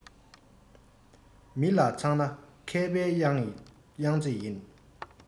མི ལ ཚང ན མཁས པའི ཡང རྩེ ཡིན